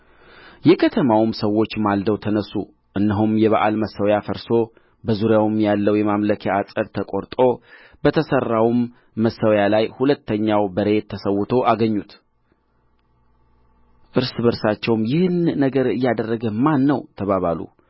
የከተማውም ሰዎች ማልደው ተነሡ እነሆም የበኣል መሠዊያ ፈርሶ በዙሪያው ያለውም የማምለኪያ ዐፀድ ተቈርጦ በተሠራውም መሠዊያ ላይ ሁለተኛው በሬ ተሠውቶ አገኙት እርስ በርሳቸውም ይህን ነገር ያደረገ ማን ነው ተባባሉ